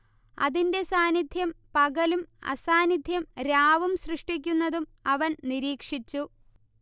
അതിന്റെ സാന്നിദ്ധ്യം പകലും അസാന്നിദ്ധ്യം രാവും സൃഷ്ടിക്കുന്നതും അവൻ നിരീക്ഷിച്ചു